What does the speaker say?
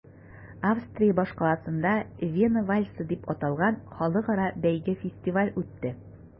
Австрия башкаласында “Вена вальсы” дип аталган халыкара бәйге-фестиваль үтте.